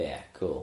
Ie cŵl.